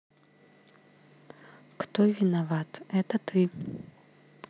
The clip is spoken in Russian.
кто виноват это ты